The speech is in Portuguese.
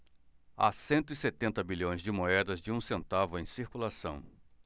há cento e setenta bilhões de moedas de um centavo em circulação